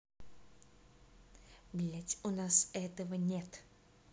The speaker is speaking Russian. блядь у нас этого нет